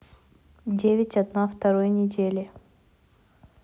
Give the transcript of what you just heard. девять одна второй недели